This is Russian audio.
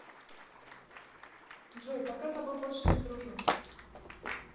джой пока тобой больше не дружу